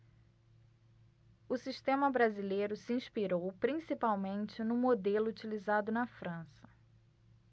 o sistema brasileiro se inspirou principalmente no modelo utilizado na frança